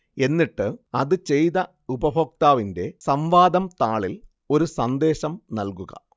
എന്നിട്ട് അത് ചെയ്ത ഉപയോക്താവിന്റെ സംവാദം താളിൽ ഒരു സന്ദേശം നൽകുക